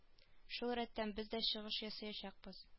Шул рәттән без дә чыгыш ясыячакбыз